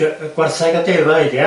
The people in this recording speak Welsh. D- yy gwarheg a defaid ia?